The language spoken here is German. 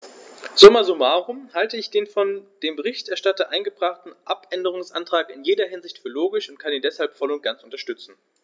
Summa summarum halte ich den von dem Berichterstatter eingebrachten Abänderungsantrag in jeder Hinsicht für logisch und kann ihn deshalb voll und ganz unterstützen.